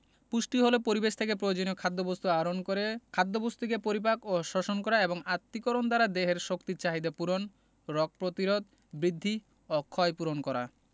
পুষ্টি হলো পরিবেশ থেকে প্রয়োজনীয় খাদ্যবস্তু আহরণ করে খাদ্যবস্তুকে পরিপাক ও শোষণ করা এবং আত্তীকরণ দ্বারা দেহের শক্তির চাহিদা পূরণ রগ প্রতিরোধ বৃদ্ধি ও ক্ষয়পূরণ করা